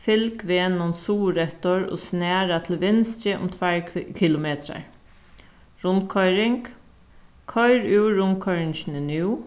fylg vegnum suðureftir og snara til vinstru um tveir kilometrar rundkoyring koyr úr rundkoyringini nú